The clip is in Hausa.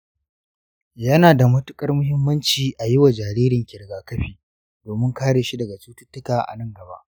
yana da matukar muhimmanci a yi wa jaririnki riga-kafi domin kare shi daga cututtuka a nan gaba